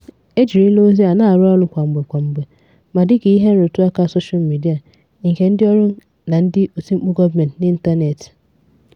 E jirila ozi a na-arụ ọrụ kwamgbe kwamgbe, ma dịka ihe nrụtụaka sosha midia, nke ndị ọrụ na ndị otimkpu gọọmentị n'ịntanetị,